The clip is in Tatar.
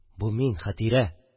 Бу мин, Хәтирә...